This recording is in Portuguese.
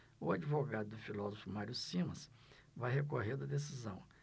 o advogado do filósofo mário simas vai recorrer da decisão